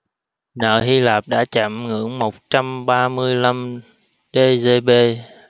nợ hi lạp đã chạm ngưỡng một trăm ba mươi lăm gdp